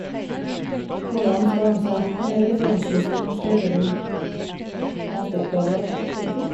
Hvordan dem skal ordne seg referanseliste når dem skal levere inn masteroppgave og slike ting.